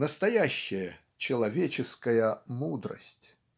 настоящая человеческая мудрость.